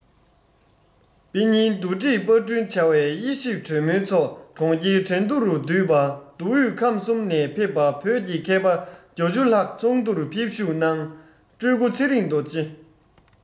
དཔེ རྙིང བསྡུ སྒྲིག པར སྐྲུན བྱ བའི དབྱེ ཞིབ གྲོས མོལ ཚོགས གྲོང ཁྱེར ཁྲིན ཏུའུ རུ བསྡུས པ མདོ དབུས ཁམས གསུམ ནས ཕེབས པ བོད ཀྱི མཁས པ ༨༠ ལྷག ཚོགས འདུར ཕེབས ཞུགས གནང སྤྲུལ སྐུ ཚེ རིང རྡོ རྗེ